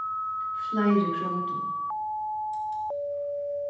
fleiri grótu